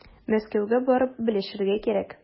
Мәскәүгә барып белешергә кирәк.